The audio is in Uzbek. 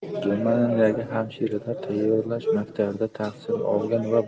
germaniyadagi hamshiralar tayyorlash maktabida tahsil olgan va